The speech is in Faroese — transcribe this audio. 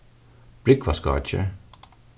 brúgvarskákið